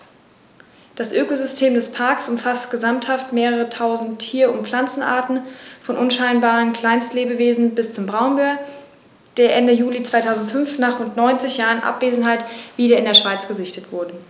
Das Ökosystem des Parks umfasst gesamthaft mehrere tausend Tier- und Pflanzenarten, von unscheinbaren Kleinstlebewesen bis zum Braunbär, der Ende Juli 2005, nach rund 90 Jahren Abwesenheit, wieder in der Schweiz gesichtet wurde.